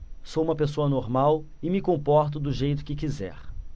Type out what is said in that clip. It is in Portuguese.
sou homossexual e me comporto do jeito que quiser